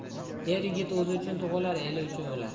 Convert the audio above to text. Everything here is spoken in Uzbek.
er yigit o'zi uchun tug'ilar eli uchun o'lar